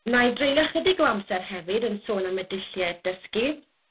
wna i dreulio ychydig o amser hefyd yn sôn am y dulliau dysgu